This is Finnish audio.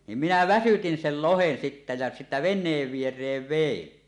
niin minä väsytin sen lohen sitten ja sitten veneen viereen vein